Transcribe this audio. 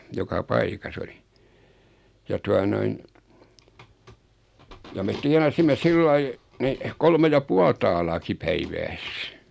joka paikassa oli ja tuota noin ja me tienasimme sillä lailla niin kolme ja puoli taalaakin päivässä